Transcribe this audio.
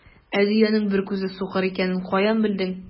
Ә дөянең бер күзе сукыр икәнен каян белдең?